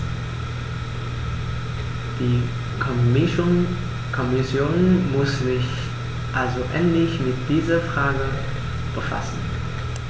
Die Kommission muss sich also endlich mit dieser Frage befassen.